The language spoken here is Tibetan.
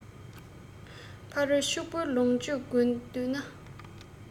ཕ རོལ ཕྱུག པོ ལོངས སྤྱོད དགོས འདོད ན